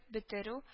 Бетерү